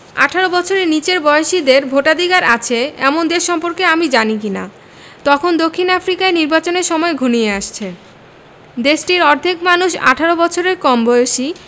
১৮ বছরের নিচের বয়সীদের ভোটাধিকার আছে এমন দেশ সম্পর্কে আমি জানি কি না তখন দক্ষিণ আফ্রিকায় নির্বাচনের সময় ঘনিয়ে আসছে দেশটির অর্ধেক মানুষ ১৮ বছরের কম বয়সী